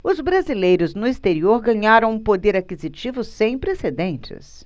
os brasileiros no exterior ganharam um poder aquisitivo sem precedentes